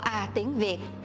a tiếng việt